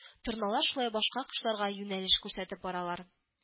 Торналар шулай башка кошларга юнәлеш күрсәтеп баралар